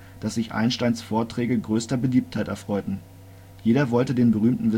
Einsteins Vorträge größter Beliebtheit erfreuten. Jeder wollte den berühmten